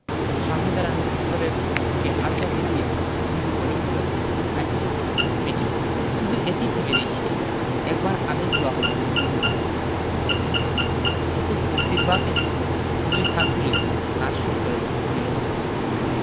সামনের দাঁড়ানো কিশোরের দিকে হাত বাড়িয়ে দিয়ে রিবো বলে উঠে নাইস টু মিট ইউ শুধু এতেই থেমে নেই সে একবার আদেশ দেওয়া হলো রিবো ড্যান্স ব্যাস চোখে ফূর্তির ভাব এনে দুই হাত তুলে নাচ শুরু করে দিলো রিবো